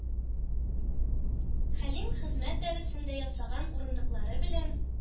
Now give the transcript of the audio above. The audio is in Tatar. Хәлим хезмәт дәресендә ясаган урындыклары белән